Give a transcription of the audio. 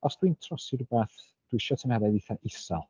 Os dwi'n trosi rywbeth dwi isio tymheredd eitha isel.